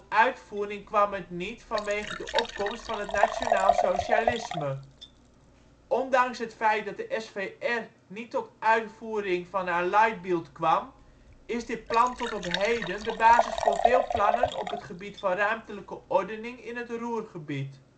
uitvoering kwam het niet vanwege de opkomst van het Nationaalsocialisme. Ondanks het feit dat het SVR niet tot uitvoering van haar Leitbild kwam, is dit plan tot op heden de basis voor veel plannen op het gebied van ruimtelijke ordening in het Ruhrgebied